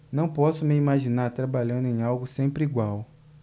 não posso me imaginar trabalhando em algo sempre igual